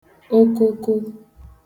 okoko